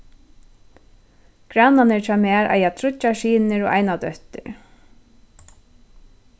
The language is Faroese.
grannarnir hjá mær eiga tríggjar synir og eina dóttur